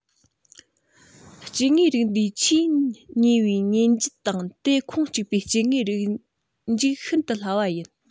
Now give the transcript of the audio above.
སྐྱེ དངོས རིགས འདིའི ཆེས ཉེ བའི གཉེན རྒྱུད དེ ཁོངས གཅིག པའི སྐྱེ དངོས རིགས འཇིག ཤིན ཏུ སླ བ ཡིན